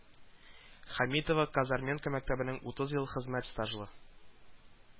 Хәмитова, Казарменка мәктәбенең утыз ел хезмәт стажлы